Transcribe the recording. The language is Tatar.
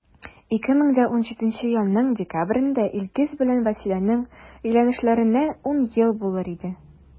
2017 елның декабрендә илгиз белән вәсиләнең өйләнешкәннәренә 10 ел булыр иде.